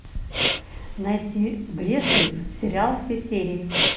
найти брежнев сериал все серии